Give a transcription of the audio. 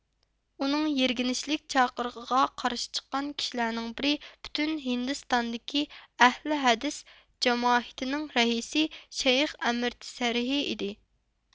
ئۇنىڭ يىرگىنچلىك چاقىرىقىغا قارشى چىققان كىشىلەرنىڭ بىرى پۈتۈن ھىندىستاندىكى ئەھلى ھەدىس جامائىتىنىڭ رەئىسى شەيخ ئەمىرتسەرىي ئىدى